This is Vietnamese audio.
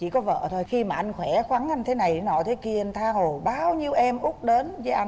chỉ có vợ thôi khi mà anh khỏe khoắn anh thế này thế nọ thế kia tha hồ bao nhiêu em út đến với anh